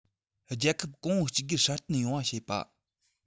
རྒྱལ ཁབ གོང བུ གཅིག གྱུར སྲ བརྟན པོ ཡོང བ བྱེད པ